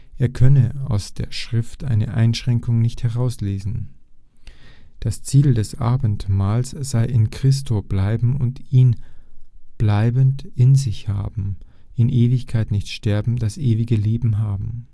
Er könne aus der Schrift eine Einschränkung nicht herauslesen. Das Ziel des Abendmahls sei, „ In Christo bleiben und ihn bleibend in sich haben; in Ewigkeit nicht sterben; das ewige Leben haben